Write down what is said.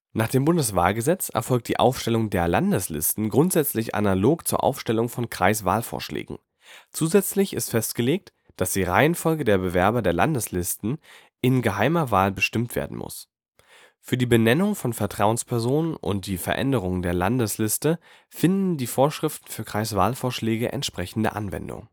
Nach dem Bundeswahlgesetz erfolgt die Aufstellung der Landeslisten grundsätzlich analog zur Aufstellung von Kreiswahlvorschlägen. Zusätzlich ist festgelegt, dass die Reihenfolge der Bewerber der Landesliste in geheimer Wahl bestimmt werden muss. Für die Benennung von Vertrauenspersonen und die Veränderung der Landesliste finden die Vorschriften für Kreiswahlvorschläge entsprechende Anwendung